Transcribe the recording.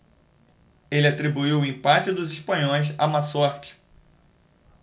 ele atribuiu o empate dos espanhóis à má sorte